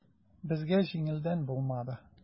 Безгә җиңелдән булмады.